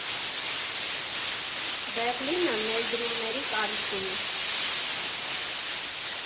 «Բեռլինը» ներդրումների կարիք ունի։